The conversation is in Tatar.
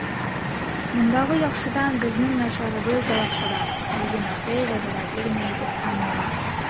Мондагы яхшыдан безнең начарыбыз да яхшырак, - диде Матвей гыйбрәтле генә итеп Аннага.